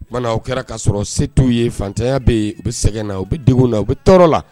Mana o kɛra k'a sɔrɔ se t'u ye fantanya bɛ yen u bɛ sɛgɛn na u bɛ denw na u bɛ tɔɔrɔ la